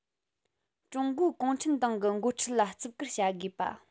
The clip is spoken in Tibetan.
ཀྲུང གོའི གུང ཁྲན ཏང གི འགོ ཁྲིད ལ བརྩི བཀུར བྱ དགོས པ